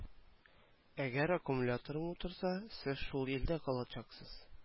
Әгәр аккумуляторым утырса сез шул илдә калачаксыз